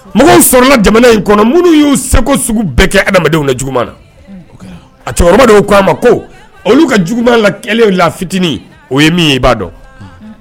Mɔgɔ sɔrɔlala jamana in kɔnɔ minnu y'u sugu bɛɛ kɛ adamadenw na juguman na a cɛkɔrɔba dɔw ko a ma ko olu ka jugu la e la fitinin o ye min i baa dɔn